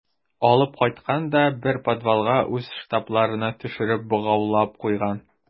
Алып кайткан да бер подвалга үз штабларына төшереп богаулап куйган.